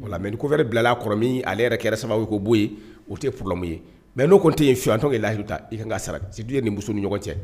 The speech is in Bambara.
Ola mɛ ni ko wɛrɛ bila kɔrɔ min ale yɛrɛ kɛra sababu ye ko bɔ ye o tɛ foromu ye mɛ n' tun tɛ yen su antɔ layi ta i ka sara sidi ni nin ni ɲɔgɔn cɛ